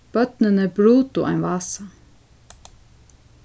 børnini brutu ein vasa